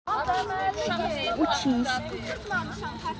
учись